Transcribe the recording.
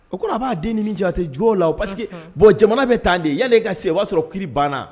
O ko a b'a den ni min ca tɛ jɔn la o parce que bon jamana bɛ tan de yala ka se o b'a sɔrɔ kiri banna